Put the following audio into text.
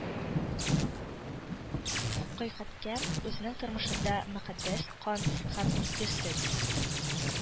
Кыйкатькә, үзенең тормышында «мөкаддәс кан» һәм «изге сөт»